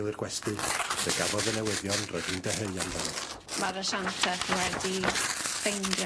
...i'r gwesty fe gafodd y newyddion roedd hi'n deheu amdano. Ma'r asiantath wedi ffeindio...